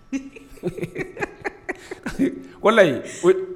Wala layi